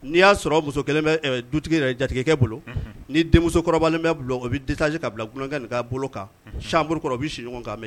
N'i y'a sɔrɔ muso kelen bɛ ɛɛ dutigi yɛrɛ, jatigikɛ bolo, unhun, ni denmusokɔrɔbalen bɛ u bolo, u bɛ décharger ka bila dunankɛ ka bolo kan, unhun, chambre kɔnɔ u bɛ si ɲɔgɔn kan mais